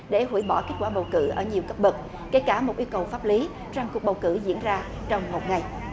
để hủy bỏ kết quả bầu cử ở nhiều cấp bậc kể cả một yêu cầu pháp lý rằng cuộc bầu cử diễn ra trong một ngày